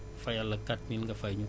huit mille nga waroon fay